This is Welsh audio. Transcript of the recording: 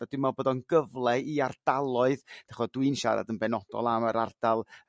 dwi me'l bod o'n gyfle i ardaloedd d'ch'mod dwi'n siarad yn benodol am y'r ardal